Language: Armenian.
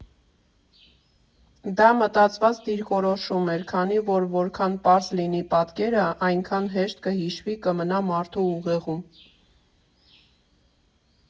Դա մտածված դիրքորոշում էր, քանի որ որքան պարզ լինի պատկերը, այնքան հեշտ կհիշվի, կմնա մարդու ուղեղում։